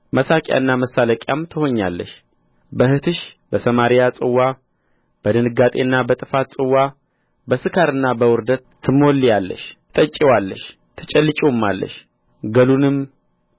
መሳቂያና መሳለቂያም ትሆኛለሽ በእኅትሽ በሰማርያ ጽዋ በድንጋጤና በጥፋት ጽዋ በስካርና በውርደት ትሞልያለሽ ትጠጪዋለሽ ትጨልጪውማለሽ ገሉንም